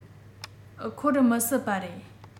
འཁོར མི སྲིད པ རེད